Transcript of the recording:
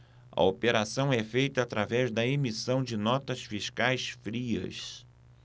a operação é feita através da emissão de notas fiscais frias